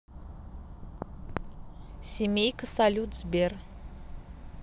семейка салют сбер